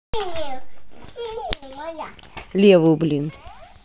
левую блин